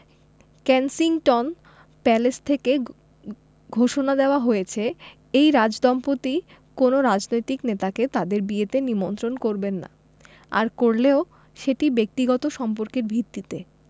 Kensington Palace থেকে ঘোষণা দেওয়া হয়েছে এই রাজদম্পতি কোনো রাজনৈতিক নেতাকে তাঁদের বিয়েতে নিমন্ত্রণ করবেন না আর করলেও সেটি ব্যক্তিগত সম্পর্কের ভিত্তিতে